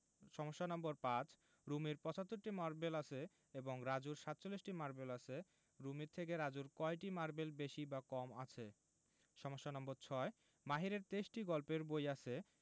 সমস্যা নম্বর৫ রুমির ৭৫টি মারবেল আছে এবং রাজুর ৪৭টি মারবেল আছে রুমির থেকে রাজুর কয়টি মারবেল বেশি বা কম আছে সমস্যা নম্বর ৬ মাহিরের ২৩টি গল্পের বই আছে